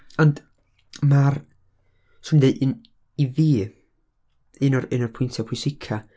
Ond, ma'r, 'swn i'n deud un, i fi, un o'r, un o'r pwyntiau pwysica...